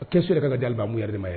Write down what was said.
A' se ka damu yeri ye